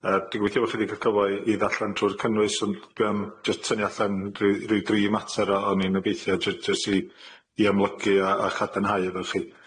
Yy dwi'n gobeithio bo' chi 'di ca'l cyfla' i i ddarllan trw'r cynnwys. Ond dwi am jyst tynnu allan ryw- ryw dri mater o- o'n i'n obeithio, jy- jyst i i amlygu a a chadarnhau efo chi.